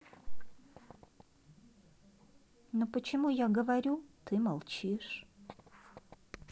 ну почему я говорю ты молчишь